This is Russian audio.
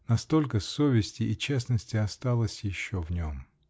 На столько совести и честности осталось еще в нем.